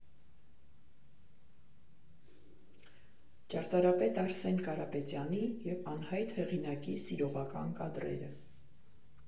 Ճարտարապետ Արսեն Կարապետյանի և անհայտ հեղինակի սիրողական կադրերը։